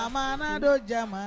A ma dɔ jama